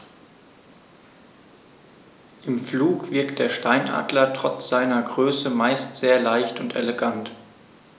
Im Flug wirkt der Steinadler trotz seiner Größe meist sehr leicht und elegant.